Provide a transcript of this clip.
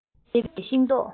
གཡོ ལོ རྒྱས པའི ཤིང ཏོག